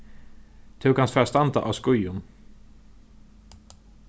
tú kanst fara at standa á skíðum